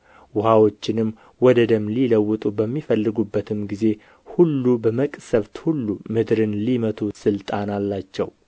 ውኃዎችንም ወደ ደም ሊለውጡ በሚፈልጉበትም ጊዜ ሁሉ በመቅሠፍት ሁሉ ምድርን ሊመቱ ሥልጣን አላቸው